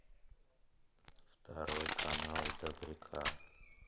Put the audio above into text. второй канал добряка